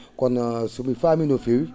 kono so mi faamii no feewi